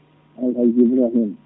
alhaji Ibrahima